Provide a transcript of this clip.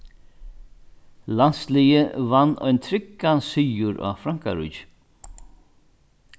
landsliðið vann ein tryggan sigur á frankaríki